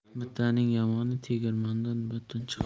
mitaning yomoni tegirmondan butun chiqar